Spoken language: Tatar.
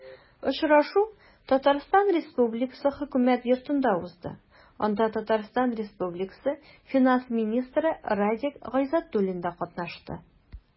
Очрашу Татарстан Республикасы Хөкүмәт Йортында узды, анда ТР финанс министры Радик Гайзатуллин да катнашты.